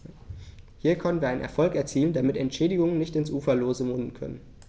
Hier konnten wir einen Erfolg erzielen, damit Entschädigungen nicht ins Uferlose münden können.